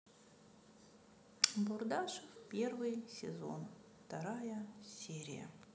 бурдашев первый сезон вторая серия